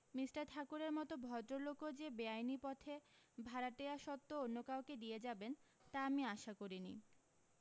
mister ঠাকুরের মতো ভদ্রলোকও যে বেআইনি পথে ভাড়াটিয়া স্বত্ব অন্য কাউকে দিয়ে যাবেন তা আমি আশা করিনি